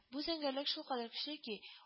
Бу зәңгәрлек шулкадәр көчле ки